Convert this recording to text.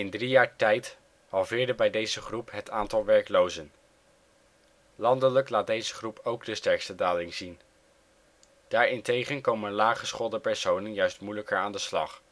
drie jaar tijd halveerde bij deze groep het aantal werklozen. Landelijk laat deze groep ook de sterkste daling zien. Daarentegen komen laaggeschoolde personen juist moeilijker aan de slag